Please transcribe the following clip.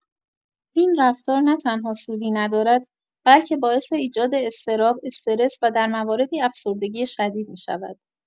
این رفتار نه‌تنها سودی ندارد، بلکه باعث ایجاد اضطراب، استرس و در مواردی افسردگی شدید می‌شود.